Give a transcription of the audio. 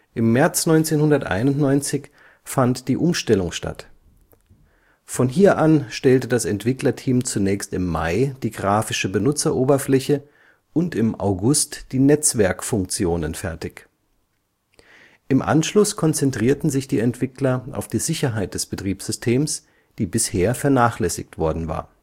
Im März 1991 fand die Umstellung statt. Von hier an stellte das Entwicklerteam zunächst im Mai die grafische Benutzeroberfläche und im August die Netzwerkfunktionen fertig. Im Anschluss konzentrierten sich die Entwickler auf die Sicherheit des Betriebssystems, die bisher vernachlässigt worden war